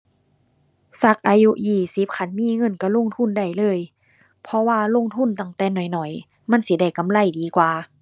สักอายุยี่สิบคันมีเงินก็ลงทุนได้เลย เพราะว่าลงทุนตั้งแต่น้อยน้อยมันสิได้กำไรดีกว่า